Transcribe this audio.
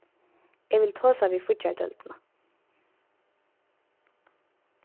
eg vil tosa við fíggjardeildina